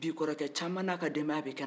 bi kɔrɔkɛ caman n'a ka denbaya bɛ kɛnɛma